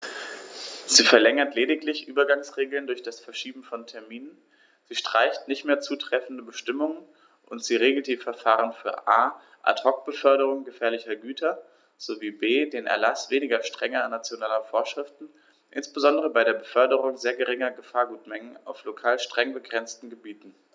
Sie verlängert lediglich Übergangsregeln durch das Verschieben von Terminen, sie streicht nicht mehr zutreffende Bestimmungen, und sie regelt die Verfahren für a) Ad hoc-Beförderungen gefährlicher Güter sowie b) den Erlaß weniger strenger nationaler Vorschriften, insbesondere bei der Beförderung sehr geringer Gefahrgutmengen auf lokal streng begrenzten Gebieten.